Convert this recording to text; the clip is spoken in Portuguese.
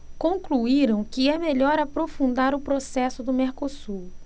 concluíram que é melhor aprofundar o processo do mercosul